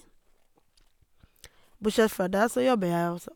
Bortsett fra det, så jobber jeg også.